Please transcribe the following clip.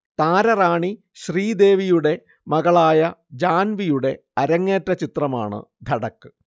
താരറാണി ശ്രീദേവിയുടെ മകളായ ജാൻവിയുടെ അരങ്ങേറ്റ ചിത്രമാണ് ധഡക്